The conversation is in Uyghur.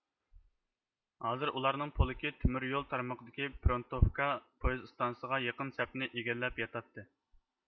ھازىر ئۇلارنىڭ پولكى تۆمۈر يول تارمىقىدىكى پرونتۇفكا پويىز ئىستانسىسىغا يېقىن سەپنى ئىگىلەپ ياتاتتى